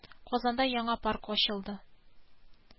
Курслар бушлай оештырыла.